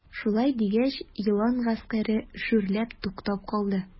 Шулай дигәч, елан гаскәре шүрләп туктап калды.